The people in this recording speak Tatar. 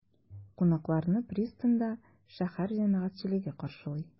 Кунакларны пристаньда шәһәр җәмәгатьчелеге каршылый.